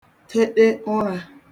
teṭe ụrā